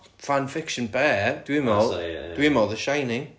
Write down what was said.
fanfiction be? Dwi meddwl dwi meddwl The Shining